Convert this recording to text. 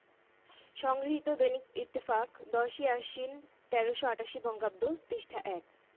সংগৃহীত দৈনিক ইত্তেফাক ১০ই আশ্বিন ১৩৮৮ বঙ্গাব্দ পৃষ্ঠা ১